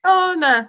O na!